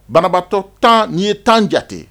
Banabatɔ tan n'i ye tan jate